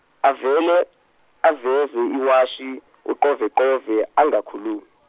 avele, aveze iwashi uQoveqove angakhulumi.